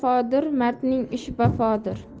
mardning ishi vafodir